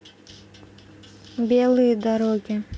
белые дороги